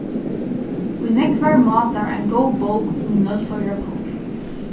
í nógvar mátar ein góð bók um nólsoyar páll